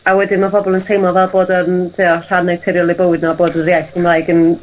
A wedyn ma' pobol yn teimlo fel bod yn ti'o' rhan naturiol o'u bywyd nw a bod yr iaith Gymraeg yn